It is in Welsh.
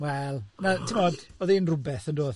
Wel, na, ti'bod, oedd hi'n rwbeth, yn doedd?